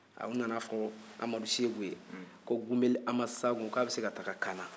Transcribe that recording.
ha u nana a fɔ amadu seku ye ko gunbeli sanba hako ko a bɛ se ka taa kaana